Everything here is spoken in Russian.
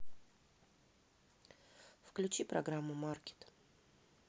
включи программу маркет